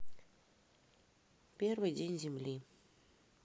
первый день земли